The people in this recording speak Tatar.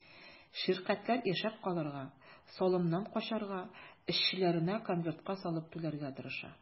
Ширкәтләр яшәп калырга, салымнан качарга, эшчеләренә конвертка салып түләргә тырыша.